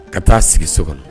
Ka taa' a sigi so kɔnɔ